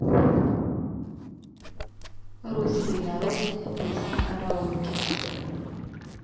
русские народные песни караоке